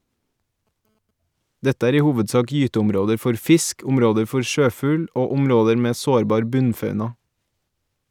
Dette er i hovedsak gyteområder for fisk, områder for sjøfugl og områder med sårbar bunnfauna.